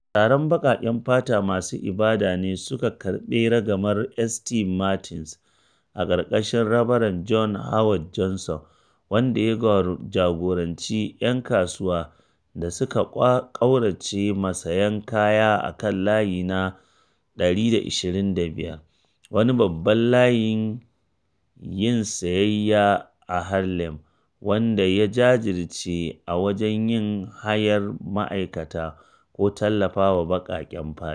Taron baƙaƙen fata masu ibada ne suka karɓe ragamar St. Martin’s a ƙarƙashin Rabaran John Howard Johnson, wanda ya jagoranci ‘yan kasuwa da su ƙaurace ma sayen kaya a kan layi na 125, wani babban layin yin sayayya a Harlem, wanda ya jajirce a wajen yin hayar ma’aikata ko tallafawa baƙaƙen fata.